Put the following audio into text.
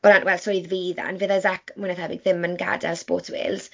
Wel na wel swydd fi dden, fydde Zach fwy 'na thebyg ddim yn gadael Sports Wales.